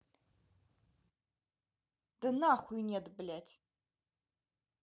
да нахуйнет блядь